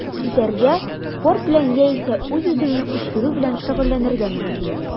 Китәргә, спорт белән яисә үз-үзеңне үстерү белән шөгыльләнергә мөмкин.